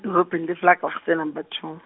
edorobheni le- Vlaaglagte number two.